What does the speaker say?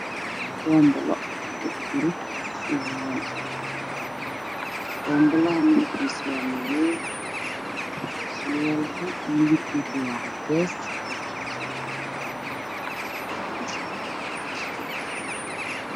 Bonbalo ugu juro sarwaal bon balaha waa madow